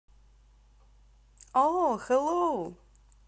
all hello